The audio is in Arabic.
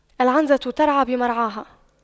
العنزة ترعى بمرعاها